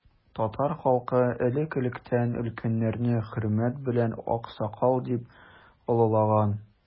Татар халкы элек-электән өлкәннәрне хөрмәт белән аксакал дип олылаган.